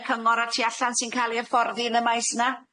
y cyngor a tu allan sy'n ca'l 'u hyfforddi yn y maes 'na?